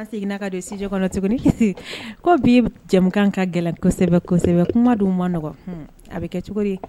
An seginna ka don studio kɔnɔ tuguni ko bi jamukan ka gɛlɛn kosɛbɛ kosɛbɛ kuma dun ma nɔgɔ, un, a bɛ kɛ cogo?